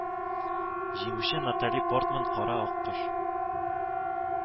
Җиңүче Натали Портман Кара аккош